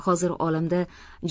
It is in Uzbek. hozir olamda